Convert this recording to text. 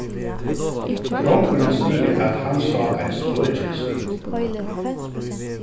drongurin sigur at hann sá eitt spøkilsi